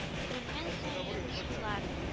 Бүлмә саен шулар…